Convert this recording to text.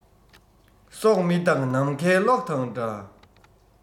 སྲོག མི རྟག ནམ མཁའི གློག དང འདྲ